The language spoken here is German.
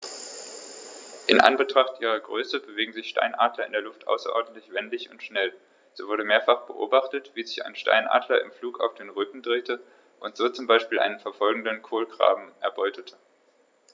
In Anbetracht ihrer Größe bewegen sich Steinadler in der Luft außerordentlich wendig und schnell, so wurde mehrfach beobachtet, wie sich ein Steinadler im Flug auf den Rücken drehte und so zum Beispiel einen verfolgenden Kolkraben erbeutete.